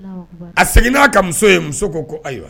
A seginna n'a ka muso ye muso ko ko ayiwa